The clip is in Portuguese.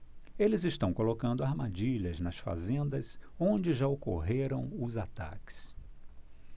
eles estão colocando armadilhas nas fazendas onde já ocorreram os ataques